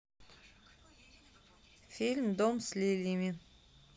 фильм дом с лилиями